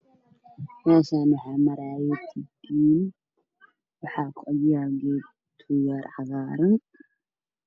Meeshan waxa iga muuqda diidiin maraya dhulka agmarayo geed cagaaran oo qodxa leh